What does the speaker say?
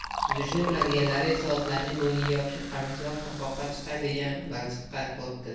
suzishni biladiganlari esa otlarning bo'yniga yopishib qamishzor qirg'oqqa chiqay deganda balchiqqa botdi